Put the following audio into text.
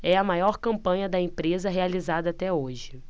é a maior campanha da empresa realizada até hoje